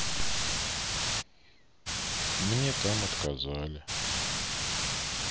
мне там отказали